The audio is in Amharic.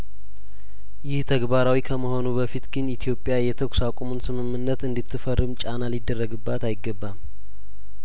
ይህ ተግባራዊ ከመሆኑ በፊት ግን ኢትዮጵያ የተኩስ አቁሙን ስምምነት እንድት ፈርም ጫና ሊደረግባት አይገባም